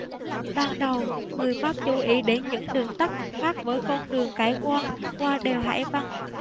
ban đầu người pháp chú ý đến những đường tắt khác với con đường cái quan qua đèo hải vân